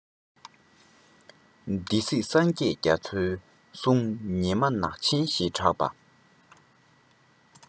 སྡེ སྲིད སངས རྒྱས རྒྱ མཚོའི གསུང ཉི མ ནག ཆེན ཞེས གྲགས པ